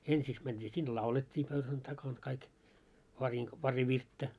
ensiksi mentiin sinne laulettiin pöydän takana kaikki - pari virttä